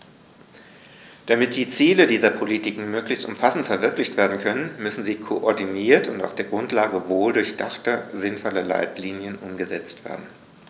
Damit die Ziele dieser Politiken möglichst umfassend verwirklicht werden können, müssen sie koordiniert und auf der Grundlage wohldurchdachter, sinnvoller Leitlinien umgesetzt werden.